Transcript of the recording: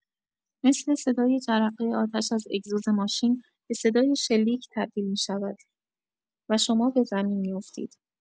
مثل صدای جرقه آتش از اگزوز ماشین به صدای شلیک تبدیل می‌شود و شما به زمین می‌افتید.